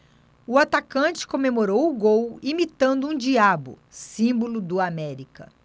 o atacante comemorou o gol imitando um diabo símbolo do américa